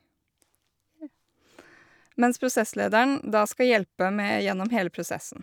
Mens prosesslederen da skal hjelpe med gjennom hele prosessen.